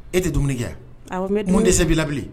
E tɛ dumuni kɛ mun de se b'i la bilen